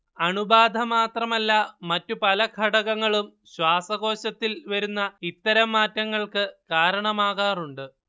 അണുബാധ മാത്രമല്ല മറ്റു പല ഘടകങ്ങളും ശ്വാസകോശത്തിൽ വരുന്ന ഇത്തരം മാറ്റങ്ങൾക്ക് കാരണമാകാറുണ്ട്